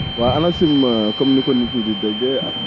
waaw ANACIM comme ni ko nit yi di déggee ak